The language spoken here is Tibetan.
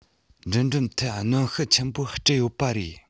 འགྲིམ འགྲུལ ཐད གནོན ཤུགས ཆེན པོ སྤྲད ཡོད པ རེད